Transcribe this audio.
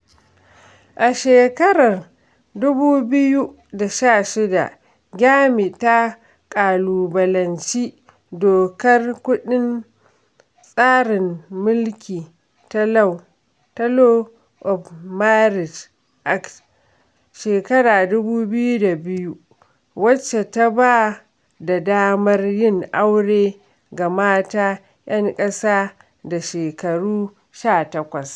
A shekarar 2016, Gyumi ta ƙalubalanci dokar kundin tsarin mulki ta Law of Marriage Act. 2002 (LMA) wacce ta ba da damar yin aure ga mata 'yan ƙasa da shekaru 18.